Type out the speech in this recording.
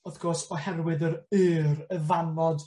wrth gwrs oherwydd yr yr y fannod